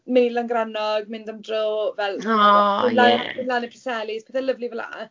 Mynd i Langrannog mynd am dro fel... o ie. ...mynd lan i'r Preseli, pethau lyfli fela.